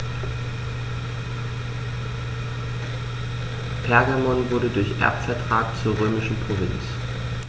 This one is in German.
Pergamon wurde durch Erbvertrag zur römischen Provinz.